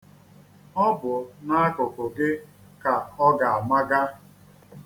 Ọ bụ n'akụkụ gị ka ọ ga-amaga.